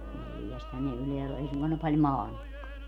neljästähän ne ylhäällä on ei suinkaan ne paljon maannutkaan